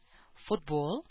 Футбол